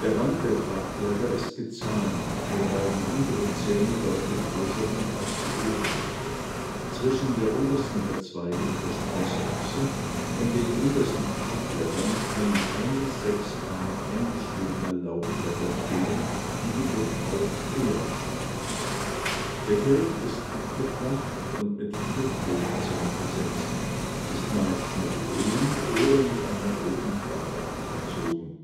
Rand der Tragblätter ist gezahnt, wobei die unteren Zähne deutlich größer sind als die oberen. Zwischen der obersten Verzweigung der Sprossachse und den untersten Tragblättern können ein bis sechs Paar eingeschobener Laubblätter stehen, die jedoch auch fehlen können. Der Kelch ist abgeflacht und mit vier Kelchzähnen besetzt, ist meist mittelgrün oder mit einer roten Färbung überzogen